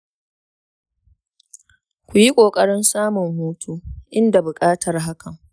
kayi kokarin samun hutu in da bukatar hakan.